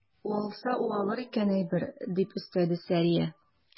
Уалса уалыр икән әйбер, - дип өстәде Сәрия.